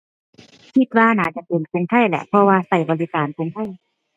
คิดว่าน่าจะเป็นกรุงไทยแหละ เพราะว่าใช้บริการกรุงไทย